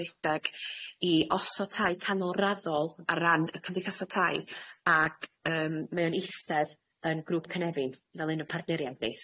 redeg i osod tai canolraddol ar ran y cymdeithasa tai ac yym mae o'n eistedd yn grŵp cynefin fel un o partneriad ni.